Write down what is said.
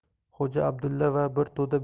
xo'ja abdulla va bir to'da